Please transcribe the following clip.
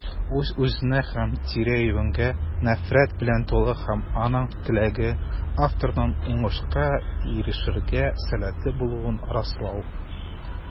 Ул үз-үзенә һәм тирә-юньгә нәфрәт белән тулы - һәм аның теләге: авторның уңышка ирешергә сәләтле булуын раслау.